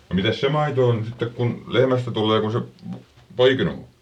no mitäs se maito on sitten kun lehmästä tulee kun se poikinut on